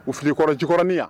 U filɛ i kɔrɔ Jikɔrɔni yan